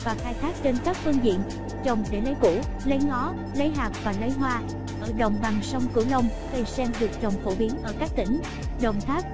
cây sen được trồng và khai thác trên các phương diện trồng để lấy củ lấy ngó lấy hạt và lấy hoa ở đồng bằng sông cửu long cây sen được trồng phổ biến ở các tỉnh đồng tháp